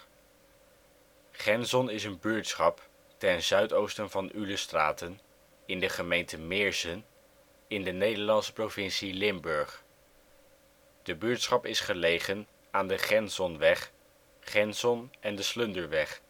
Genzon is een buurtschap ten zuidoosten van Ulestraten in de gemeente Meerssen in de Nederlandse provincie Limburg. De buurtschap is gelegen aan de Genzonweg, Genzon en de Slunderweg